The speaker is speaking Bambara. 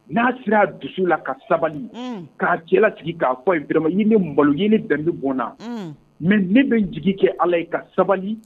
Na sera a dusu la ka sabali ka cɛ lasiki . ka fɔ a ye bierema ye ne maloɲini danbe bɔnna. Unhun mais ne bɛ jigin kɛ ala ye ka sabali